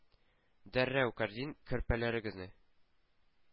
Дәррәү кәрзин, көрпәләрегезне